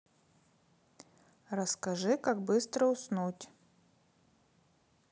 расскажи как быстро уснуть